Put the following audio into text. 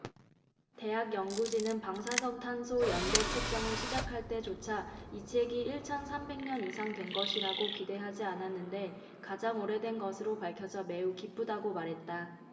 대학 연구진은 방사성탄소 연대측정을 시작할 때조차 이 책이 일 천 삼백 년 이상 된 것이라고 기대하지 않았는데 가장 오래된 것으로 밝혀져 매우 기쁘다고 말했다